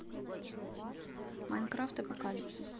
майнкрафт апокалипсис